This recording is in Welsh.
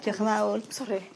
...diolch yn fawr. Sori